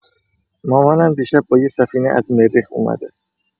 مامانم دیشب با یه سفینه از مریخ اومده.